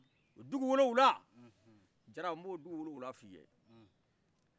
o duguwolofila diara mbo duguwila fiye